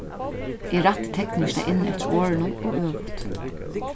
eg rætti tekningina inn eftir orðunum og øvut